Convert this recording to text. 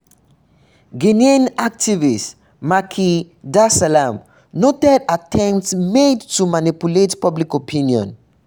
Guinean activist Macky Darsalam noted attempts made to manipulate public opinion: